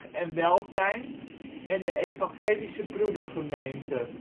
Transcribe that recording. en Welzijn en de Evangelische Broedergemeente